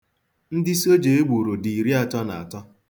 Ndị soja e gburu dị iriatọ na atọ